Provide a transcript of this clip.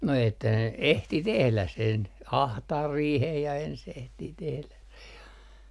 no että ne ehti tehdä sen ahtaa riihen ja ensin ehtii tehdä se ja